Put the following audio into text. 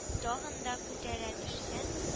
Тагын да күтәрә төшсәң